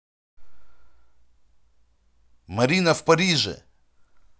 марина в париже